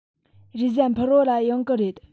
རེས གཟའ ཕུར བུ ལ ཡོང གི རེད